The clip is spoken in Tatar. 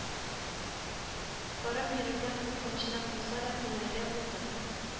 Барып йөрергә куркынычрак булса да күнәргә булдык